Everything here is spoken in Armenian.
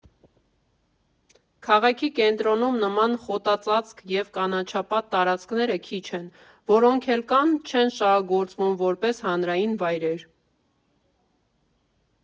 Քաղաքի կենտրոնում նման խոտածածկ և կանաչապատ տարածքները քիչ են, որոնք էլ կան՝ չեն շահագործվում որպես հանրային վայրեր։